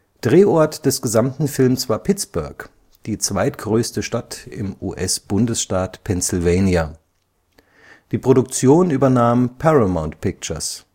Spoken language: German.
Drehort des gesamten Films war Pittsburgh, die zweitgrößte Stadt im US-Bundesstaat Pennsylvania. Die Produktion übernahm Paramount Pictures